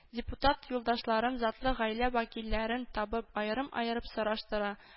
Депутат юлдашларым затлы гаилә вәкилләрен табып, аерым-аерым сораштыра